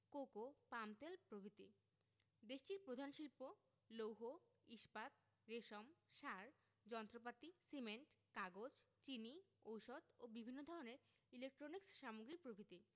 cocoa পামতেল প্রভৃতি দেশটির প্রধান শিল্প লৌহ ইস্পাত রেশম সার যন্ত্রপাতি সিমেন্ট কাগজ চিনি ঔষধ ও বিভিন্ন ধরনের ইলেকট্রনিক্স সামগ্রী প্রভ্রিতি